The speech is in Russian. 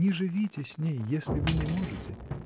не живите с ней, если вы не можете